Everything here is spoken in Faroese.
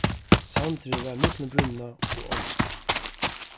sandurin var millum brúnna og ánna